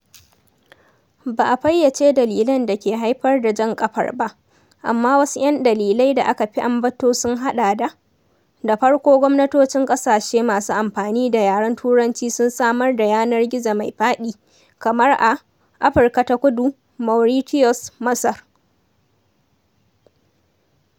Ba a fayyace dalilan da ke haifar da jan ƙafar ba, amma wasu 'yan dalilai da aka fi ambata sun haɗa da: 1) da farko gwamnatocin ƙasashe masu amfani da yaren Turanci sun samar da yanar gizo mai faɗi, kamar a (Afirka ta Kudu, Mauritius, Masar).